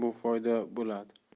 bu foyda bo'ladi